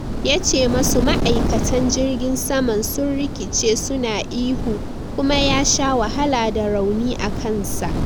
Yace masu ma’aikatan jirgin saman sun rikice su na ihu, kuma ya sha wahala da rauni a kansa.